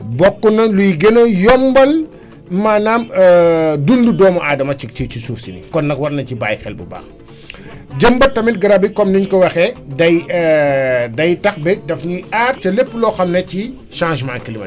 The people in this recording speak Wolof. bokk na luy gën a yombal maanaam dundu doomu Adama ci ci suuf si kon nag war naén ci bàyyi xel bu baax jëmbat tamit garab yi comme niñ ko waxee day day tax ba daf ñuy aar ca lépp loo xam ne ci changement climatique